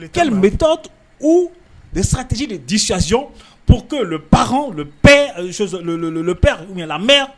Ni sati di